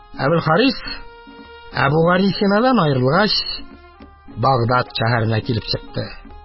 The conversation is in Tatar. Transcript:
Әбелхарис, Әбүгалисинадан аерылгач, Багдад шәһәренә килеп чыкты.